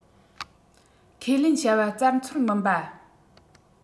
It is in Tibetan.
ཁས ལེན བྱ བ བཙལ འཚོལ མིན པ